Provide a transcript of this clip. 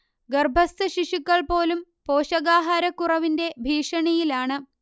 ഗർഭസ്ഥ ശിശുക്കൾ പോലും പോഷകാഹാരക്കുറവിന്റെ ഭീഷണിയിലാണ്